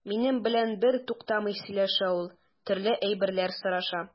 Минем белән бертуктамый сөйләшә ул, төрле әйберләр сораша.